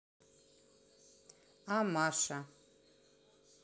а маша